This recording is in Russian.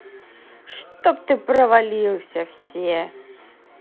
чтоб ты провалился все